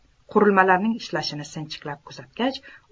qurilmalarning ishlashini sinchiklab kuzatgach